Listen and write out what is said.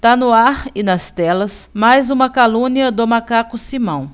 tá no ar e nas telas mais uma calúnia do macaco simão